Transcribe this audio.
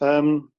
Yym